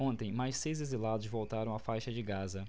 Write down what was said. ontem mais seis exilados voltaram à faixa de gaza